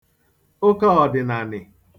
ụkaọ̀dị̀nànị̀